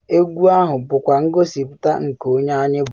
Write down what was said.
Egwu ahụ bụkwa ngosipụta nke onye anyị bụ.”